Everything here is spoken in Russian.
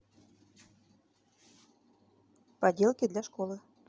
поделки для школы